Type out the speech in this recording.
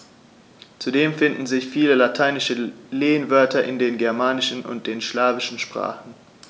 Zudem finden sich viele lateinische Lehnwörter in den germanischen und den slawischen Sprachen.